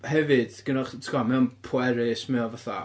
a hefyd, gynoch-... ti'n gwybod, mae o'n pwerus mae o fatha...